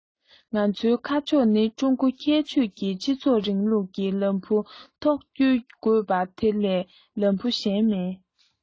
ང ཚོའི ཁ ཕྱོགས ནི ཀྲུང གོའི ཁྱད ཆོས ཀྱི སྤྱི ཚོགས རིང ལུགས ཀྱི ལམ བུའི ཐོག བསྐྱོད དགོས པ དེ ལས ལམ བུ གཞན མིན